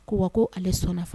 Ko wa ko ale sɔnna